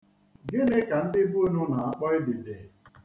Gịnị ka ndi be ụnụ na-akpọ idide?